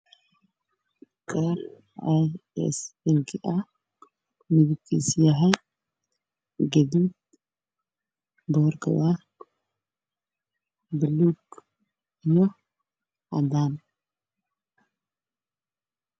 Waxaa ii muuqda ay bank card